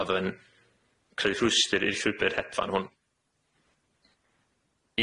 a fydd yn creu rhwystyr i'r llwybyr hedfan hwn.